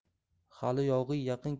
hali yog'iy yaqin